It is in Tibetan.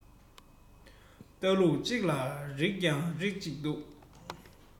ལྟ ལུགས གཅིག ལ རིགས ཀྱང རིགས གཅིག འདུག